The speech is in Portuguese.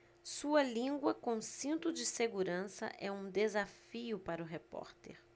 sua língua com cinto de segurança é um desafio para o repórter